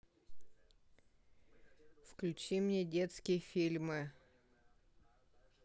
включи мне детские фильмы